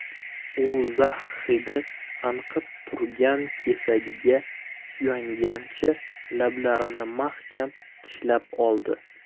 u zax hidi anqib turgan kesakiga suyangancha lablarini mahkam tishlab oldi